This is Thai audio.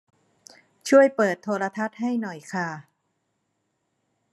ช่วยเปิดโทรทัศน์ให้หน่อยค่ะ